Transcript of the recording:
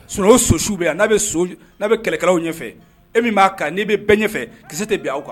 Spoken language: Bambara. Sinon o so suguw bɛ yan, n'a bɛ sow N'a bɛ kɛlɛkɛlaw ɲɛfɛ, e min b'a kan, n'i bɛ bɛn ɲɛfɛ kisɛ tɛ bin aw kan.